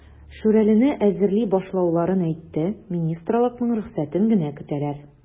"шүрәле"не әзерли башлауларын әйтте, министрлыкның рөхсәтен генә көтәләр.